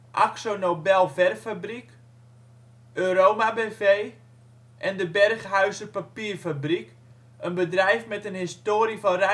AkzoNobel verffabriek Euroma BV De Berghuizer Papierfabriek, een bedrijf met een historie van